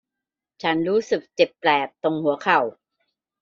ฉันรู้สึกเจ็บแปลบตรงหัวเข่า